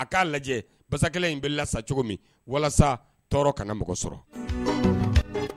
A k'a lajɛ pasakɛ in bɛ la cogo min walasa tɔɔrɔ kana mɔgɔ sɔrɔ